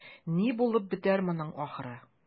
Ни булып бетәр моның ахыры?